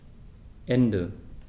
Ende.